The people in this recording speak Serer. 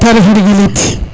te ref ndigil it